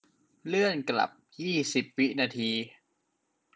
เลื่อนกลับยี่สิบวินาที